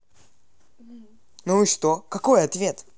ну и что какой ответ